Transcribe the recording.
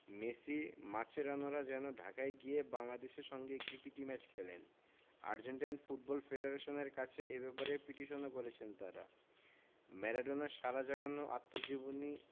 Messi মাচেরানোরা যেন ঢাকায় গিয়ে বাংলাদেশের সঙ্গে একটি প্রীতি ম্যাচ খেলেন আর্জেন্টাইন ফুটবল ফেডারেশনের কাছে এ ব্যাপারে পিটিশনও করেছেন তাঁরা ম্যারাডোনার সাড়া জাগানো আত্মজীবনী